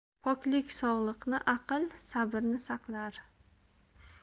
poklik sog'liqni aql sabrni saqlar